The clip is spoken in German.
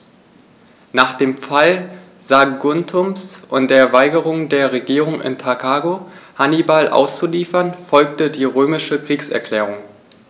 Nach dem Fall Saguntums und der Weigerung der Regierung in Karthago, Hannibal auszuliefern, folgte die römische Kriegserklärung.